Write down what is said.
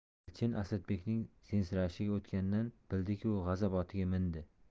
elchin asadbekning sensirashiga o'tganidan bildiki u g'azab otiga mindi